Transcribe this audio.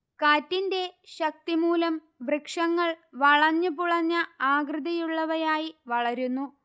കാറ്റിന്റെ ശക്തിമൂലം വൃക്ഷങ്ങൾ വളഞ്ഞുപുളഞ്ഞ ആകൃതിയുള്ളവയായി വളരുന്നു